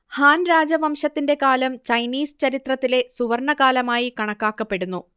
Han രാജവംശത്തിന്റെ കാലം Chinese ചരിത്രത്തിലെ സുവർണ്ണകാലമായി കണക്കാക്കപ്പെടുന്നു